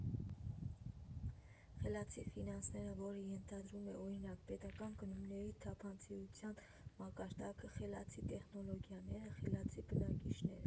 «Խելացի» ֆինանսները, որը ենթադրում է, օրինակ, պետական գնումների թափանցիկության մակարդակը, «խելացի» տեխնոլոգիաները, «խելացի» բնակիչները։